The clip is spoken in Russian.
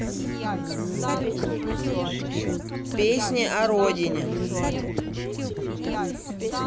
песни о родине